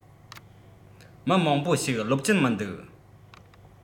མི མང པོ ཞིག ལོབས ཀྱིན མི འདུག